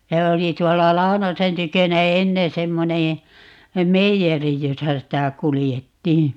ja oli tuolla Launosen tykönä ennen semmoinen meijeri jossa sitä kuljettiin